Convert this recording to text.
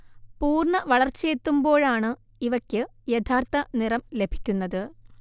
പൂർണ്ണവളർച്ചയെത്തുമ്പോഴാണ് ഇവക്ക് യഥാർത്ത നിറം ലഭിക്കുന്നത്